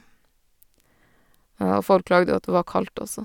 Og folk klagde jo at det var kaldt, også.